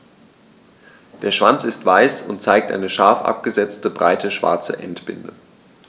Der Schwanz ist weiß und zeigt eine scharf abgesetzte, breite schwarze Endbinde.